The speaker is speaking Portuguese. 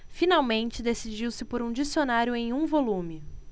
finalmente decidiu-se por um dicionário em um volume